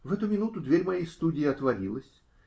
В эту минуту дверь моей студии отворилась.